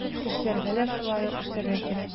Менә бит кешеләргә дә шулай ук эшләргә кирәк.